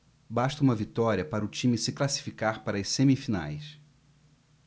basta uma vitória para o time se classificar para as semifinais